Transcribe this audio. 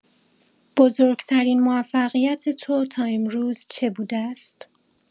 بزرگ‌ترین موفقیت تو تا امروز چه بوده است؟